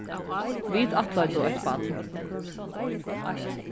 vit ættleiddu eitt barn